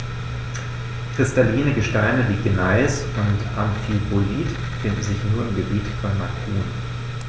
Kristalline Gesteine wie Gneis oder Amphibolit finden sich nur im Gebiet von Macun.